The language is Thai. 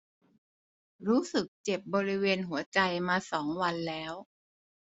รู้สึกเจ็บบริเวณหัวใจมาสองวันแล้ว